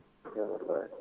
hamdulillahi